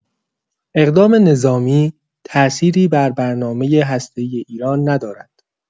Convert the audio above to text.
اقدام نظامی تاثیری بر برنامه هسته‌ای ایران ندارد.